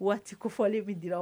Waati ko fɔli bɛ di